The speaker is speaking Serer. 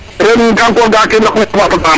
ren encore ga a ke i ndak na njima taxar